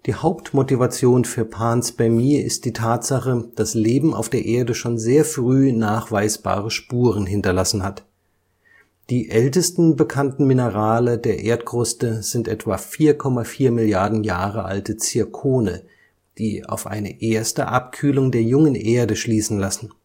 Hauptmotivation für Panspermie ist die Tatsache, dass Leben auf der Erde schon sehr früh nachweisbare Spuren hinterlassen hat. Die ältesten bekannten Minerale der Erdkruste sind etwa 4,4 Milliarden Jahre alte Zirkone, die auf eine erste Abkühlung der jungen Erde schließen lassen